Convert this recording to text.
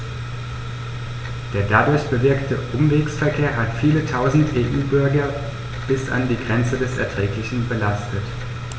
Der dadurch bewirkte Umwegsverkehr hat viele Tausend EU-Bürger bis an die Grenze des Erträglichen belastet.